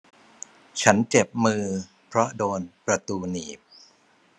ฉันเจ็บมือเพราะโดนประตูหนีบ